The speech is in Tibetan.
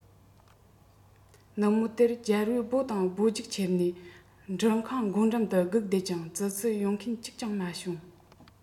ནུབ མོ དེར རྒྱལ པོས སྦོ དང སྦོ རྒྱུགས ཁྱེར ནས འབྲུ ཁང སྒོ འགྲམ དུ སྒུག བསྡད ཀྱང ཙི ཙི ཡོང མཁན གཅིག ཀྱང མ བྱུང